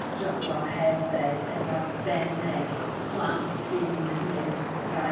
stryglo hefyd yn arbennig plant sy'n myn' rai